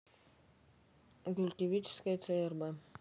гулькевичская црб